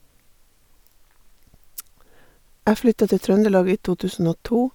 Jeg flytta til Trøndelag i to tusen og to.